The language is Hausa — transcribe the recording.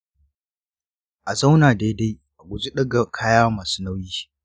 a zauna daidai, a guji ɗaga kaya masu nauyi.